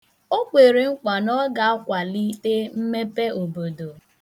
O kwere nkwa na ọ ga-akwalite mmepe obodo.